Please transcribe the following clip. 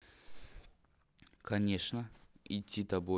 конечно идти тобой